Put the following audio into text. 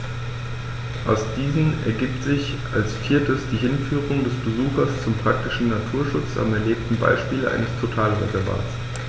Aus diesen ergibt sich als viertes die Hinführung des Besuchers zum praktischen Naturschutz am erlebten Beispiel eines Totalreservats.